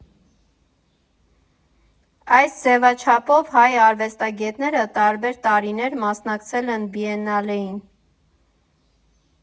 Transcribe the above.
Այս ձևաչափով հայ արվեստագետները տարբեր տարիներ մասնակցել են Բիենալեին։